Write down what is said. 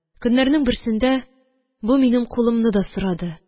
Көннәрнең берсендә бу минем кулымны да сорады.